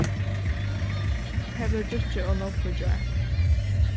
har bleiv drukkið ov nógv í gjár